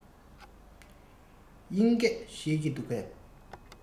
དབྱིན སྐད ཤེས ཀྱི འདུག གས